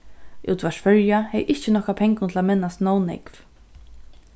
útvarp føroya hevði ikki nokk av pengum til at mennast nóg nógv